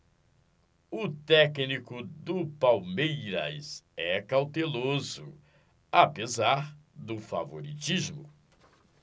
o técnico do palmeiras é cauteloso apesar do favoritismo